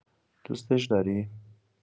دوستش داری؟